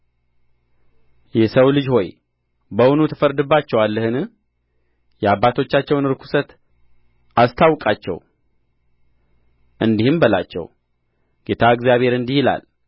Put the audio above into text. የሰው ልጅ ሆይ በውኑ ትፈርድባቸዋለህን የአባቶቻቸውን ርኵሰት አስታውቃቸው እንዲህም በላቸው ጌታ እግዚአብሔር እንዲህ ይላል